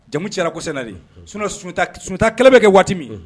Jamu cɛ kosɛbɛna sunjata kɛlɛ bɛ kɛ waati min